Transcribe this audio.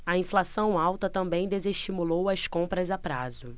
a inflação alta também desestimulou as compras a prazo